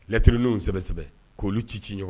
Lattiriiniw sɛ k'olu ci ci ɲɔgɔn